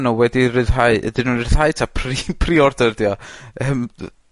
nw wedi rhyddhau... Ydyn nw'n ryddhau 'ta pre- preorder 'di o? Yym dy-.